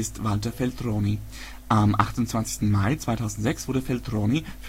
Walter Veltroni. Am 28. Mai 2006 wurde Veltroni